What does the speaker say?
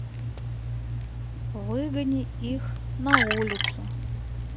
выгони их на улицу